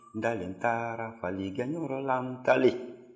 ntalen taara faligɛnyɔrɔ la ntalen